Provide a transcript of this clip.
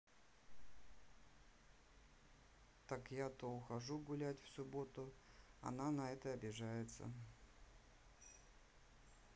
так я то ухожу гулять в субботу она на это обижается